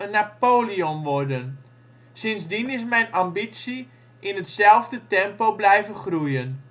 Napoleon worden. Sindsdien is mijn ambitie in hetzelfde tempo blijven groeien. "" Iedere